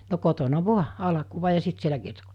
no kotona vain alkua ja sitten siellä kiertokoulussa